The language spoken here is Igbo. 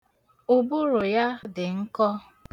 Ụbụrụ ya dị nkọ.